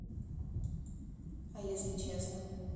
а если честно